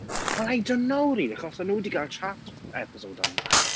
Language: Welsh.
Well, I don't know really achos o'n nhw 'di cael chat episode yma.